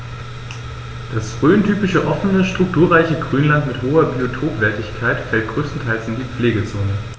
Das rhöntypische offene, strukturreiche Grünland mit hoher Biotopwertigkeit fällt größtenteils in die Pflegezone.